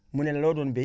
mu ne la loo doon bay